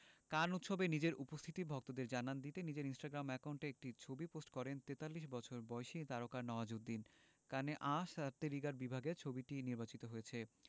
কান উৎসবে নিজের উপস্থিতি ভক্তদের জানান দিতে নিজের ইনস্টাগ্রাম অ্যাকাউন্টে একটি ছবি পোস্ট করেন ৪৩ বছর বয়সী তারকা নওয়াজুদ্দিন কানে আঁ সারতে রিগার বিভাগে ছবিটি নির্বাচিত হয়েছে